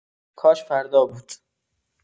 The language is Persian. کاش فردا بود!